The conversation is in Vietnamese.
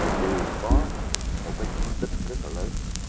thì đều có một có diện tích rất lớn